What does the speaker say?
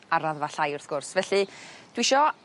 ar raddfa llai wrth gwrs felly dwi isio